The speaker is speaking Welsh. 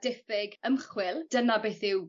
diffyg ymchwil dyna beth yw